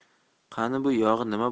qani bu yog'i